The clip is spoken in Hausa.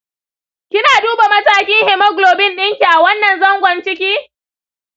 kin duba matakin haemoglobin ɗinki a wannan zangon ciki?